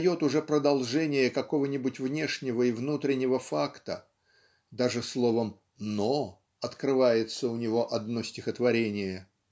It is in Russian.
дает уже продолжение какого-нибудь внешнего и внутреннего факта (даже словом но открывается у него одно стихотворение)